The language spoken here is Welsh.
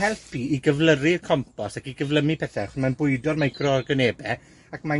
helpu i gyflyru'r compos ac i gyflymu pethe, achos mae'n bwydo'r meicro organebe, ac mae'n